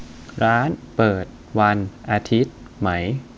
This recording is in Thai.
ร้านเปิดวันอาทิตย์ไหม